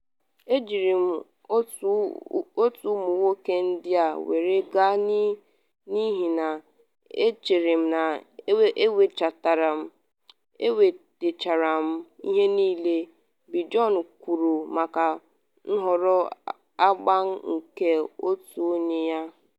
“Ejiri m otu ụmụ nwoke ndị a were gaa n’ihi na E chere m na enwetechara m ihe niile,” Bjorn kwuru maka nhọrọ agba nke otu onye ya.